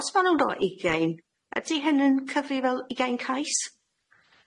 Os ma' nw'n ro' ugain ydi hyn yn cyfri fel ugain cais?